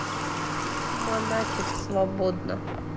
монатик свободна